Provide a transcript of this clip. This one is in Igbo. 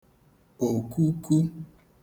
òkuku